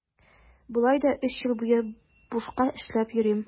Болай да өч ел буе бушка эшләп йөрим.